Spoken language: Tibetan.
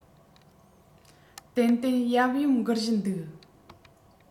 ཏན ཏན ཡམ ཡོམ འགུལ བཞིན འདུག